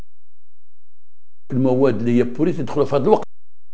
المواد اللي تدخل الفرن